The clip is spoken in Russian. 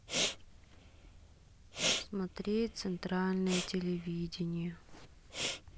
смотреть центральное телевидение